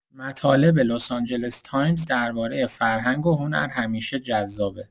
مطالب لس‌آنجلس تایمز درباره فرهنگ و هنر همیشه جذابه.